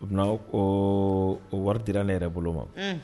O bɛ ko o wari dira ale yɛrɛ bolo ma